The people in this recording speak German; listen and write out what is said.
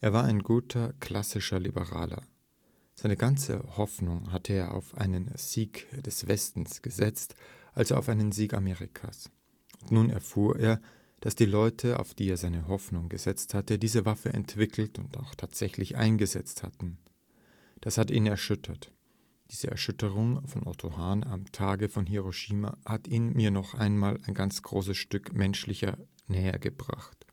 war ein guter, klassischer Liberaler. Seine ganze Hoffnung hatte er auf einen Sieg des Westens gesetzt, also auf einen Sieg Amerikas. Und nun erfuhr er, dass die Leute, auf die er seine Hoffnung gesetzt hatte, diese Waffe entwickelt und auch tatsächlich eingesetzt hatten. Das hat ihn erschüttert. Diese Erschütterung von Otto Hahn am Tage von Hiroshima hat ihn mir noch einmal ein ganz großes Stück menschlich nähergebracht